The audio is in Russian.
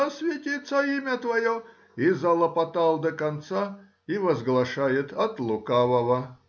да святится имя Твое, и залопотал до конца, и возглашает от лукавого.